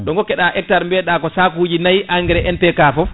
ɗo gokkeɗa hectare biyeɗa ko sac uji nayyi engrain MPK foof